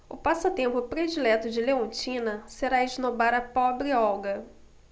o passatempo predileto de leontina será esnobar a pobre olga